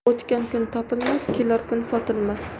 o'tgan kun topilmas kelar kun sotilmas